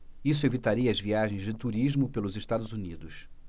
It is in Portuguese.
isso evitaria as viagens de turismo pelos estados unidos